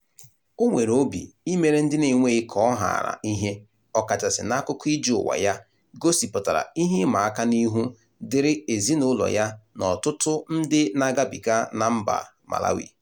O nwere obi i meere ndị n'enweghi ka ọ haara ihe ọkachasị na akụkọ ije ụwa ya gosipụtara ihe ịma aka n'ihu dịrị ezinaụlọ ya na ọtụtụ ndị na-agabiga na mba Malawi.